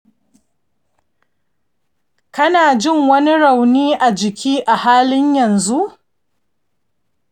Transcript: kana jin wani rauni a jiki a halin yanzu?